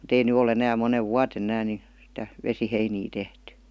mutta ei nyt ole enää monena vuotena enää niin sitä vesiheiniä tehty